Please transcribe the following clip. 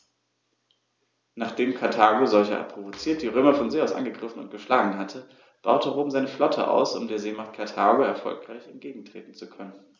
Nachdem Karthago, solcherart provoziert, die Römer von See aus angegriffen und geschlagen hatte, baute Rom seine Flotte aus, um der Seemacht Karthago erfolgreich entgegentreten zu können.